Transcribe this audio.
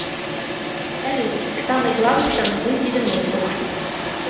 салют самый главный танцуй в девяностых